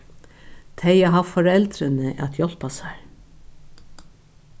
tey hava havt foreldrini at hjálpa sær